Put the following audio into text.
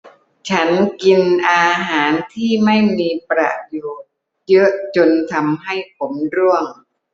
ฉันกินอาหารที่ไม่มีประโยชน์เยอะจนทำให้ผมร่วง